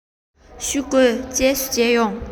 བཞུགས དགོས རྗེས སུ མཇལ ཡོང